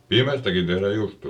piimästäkin tehdään juustoa